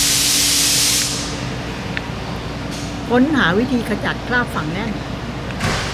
ค้นหาวิธีขจัดคราบฝังแน่น